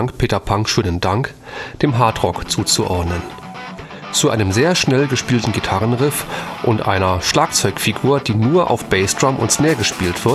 Peter Pank schönen Dank dem Hardrock zuzuordnen. Zu einem sehr schnell gespielten Gitarrenriff und einer Schlagzeugfigur, die nur auf Bassdrum und Snare gespielt